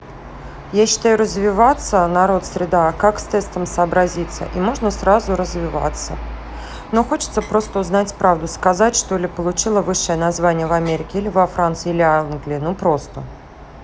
я считаю развиваться народ среда как с тестом сообразиться и можно сразу развиваться но хочется просто узнать правду сказать что ли получила высшее название в америке или во франции или англии ну просто